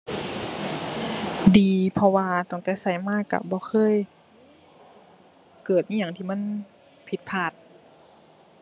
ดี เพราะว่าตั้งแต่ใช้มาใช้บ่เคย เกิดอิหยังที่มันผิดพลาด